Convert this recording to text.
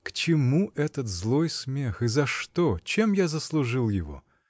— К чему этот злой смех и за что? Чем я заслужил его?